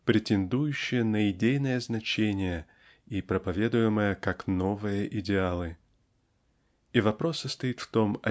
претендующие на идейное значение и проповедуемые как новые идеалы. И вопрос состоит в том